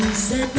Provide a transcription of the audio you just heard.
rất